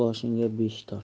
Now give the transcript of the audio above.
boshiga besh tort